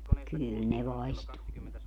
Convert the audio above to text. kyllä ne vaistoaa